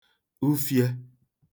ufiē